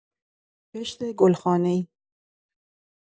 کشت گلخانه‌ای